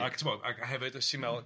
Ac timod ac hefyd os ti'n meddwl,